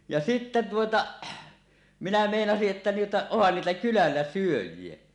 ja sitten tuota minä meinasin että tuota onhan niitä kylällä syöjiä